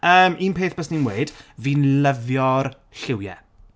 Yym un peth bysen i'n weud fi'n lyfio'r lliwiau.